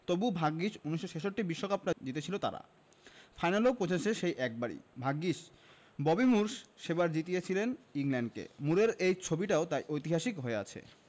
তবু ভাগ্যিস ১৯৬৬ বিশ্বকাপটা জিতেছিল তারা ফাইনালেও পৌঁছেছে সেই একবারই ভাগ্যিস ববি মুর সেবার জিতিয়েছিলেন ইংল্যান্ডকে মুরের এই ছবিটাও তাই ঐতিহাসিক হয়ে আছে